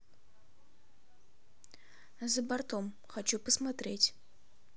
за бортом хочу посмотреть